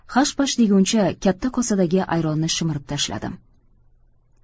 hash pash deguncha katta kosadagi ayronni shimirib tashladim